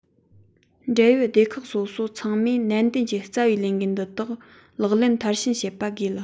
འབྲེལ ཡོད སྡེ ཁག སོ སོ ཚང མས ནན ཏན གྱིས རྩ བའི ལས འགན འདི ལག ལེན མཐར ཕྱིན བྱེད པ དགོས ལ